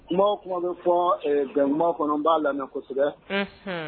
Kuma tuma bɛ fɔkuma kɔnɔ n b'a la kosɛbɛ